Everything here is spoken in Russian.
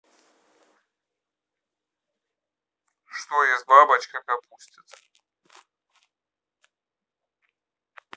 что ест бабочка капустится